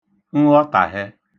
nghọtàhẹ